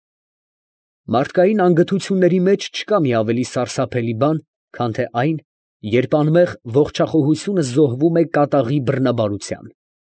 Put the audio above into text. Մարդկային անգթությունների մեջ չկա մի ավելի սարսափելի բան, քան թե այն, երբ անմեղ ողջախոհությունը զոհվում է կատաղի բռնաբարության։